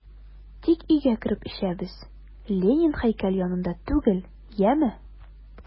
Тик өйгә кереп эчәбез, Ленин һәйкәле янында түгел, яме!